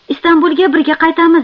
istambulga birga qaytamiz